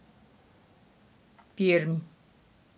пермь